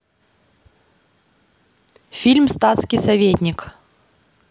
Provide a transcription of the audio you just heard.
фильм статский советник